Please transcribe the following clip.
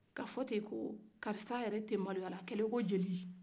ka fɔ karisa yɛrɛ tɛ maloyala a kɛra i ko jeli